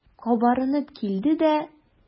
Кабарынып килде дә.